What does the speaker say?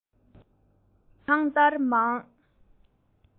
འཕྲུལ འཁོར གཡང དཀར གྲངས དང མང